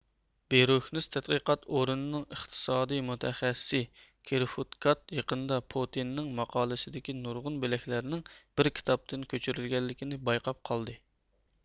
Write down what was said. بېروكنس تەتقىقات ئورنىنىڭ ئىقتىسادىي مۇتەخەسسىسى كرىفودكاد يېقىندا پۇتىننىڭ ماقالىسىدىكى نۇرغۇن بۆلەكلەرنىڭ بىر كىتابتىن كۆچۈرۈلگەنلىكىنى بايقاپ قالدى